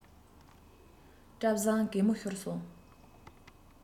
བཀྲ བཟང གད མོ ཤོར སོང